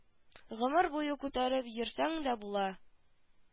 Гомер буе күтәреп йөрсәң дә була